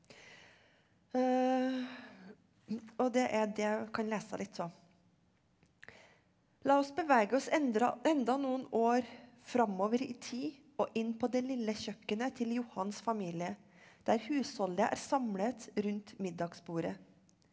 og det er det kan lese litt så la oss bevege oss enda noen år framover i tid og inn på det lille kjøkkenet til Johans familie der husholdet er samlet rundt middagsbordet.